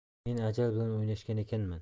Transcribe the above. men ajal bilan o'ynashgan ekanman